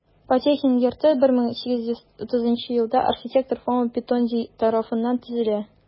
Потехин йорты 1830 елда архитектор Фома Петонди тарафыннан төзелә.